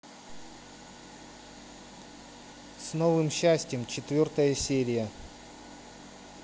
с новым счастьем четвертая серия